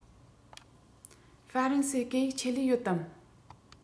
ཧྥ རན སིའི སྐད ཡིག ཆེད ལས ཡོད དམ